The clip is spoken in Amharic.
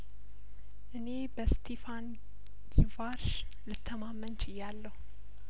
እኔ በስቲ ፋንዚ ቫርሽል ተማመንችያለሁ